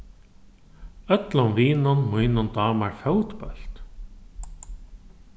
øllum vinum mínum dámar fótbólt